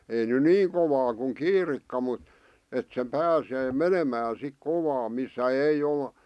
ei nyt niin kovaa kuin kiirikka mutta että se pääsee menemään sitten kovaa missä ei ole